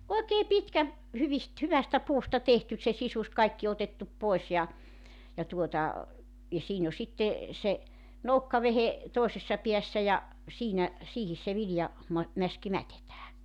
oikein pitkä hyvistä hyvästä puusta tehty se sisus kaikki otettu pois ja ja tuota ja siinä on sitten se nokkavehje toisessa päässä ja siinä siihen se -- mäski mätetään